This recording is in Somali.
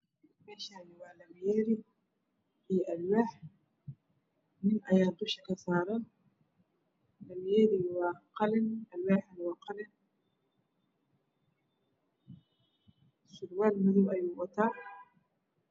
Meshan waa lamayeri io alwax nin ayaa dusha kasaran lama yeeriga waa qalin alwax waa qalin surwal madow ayow wataa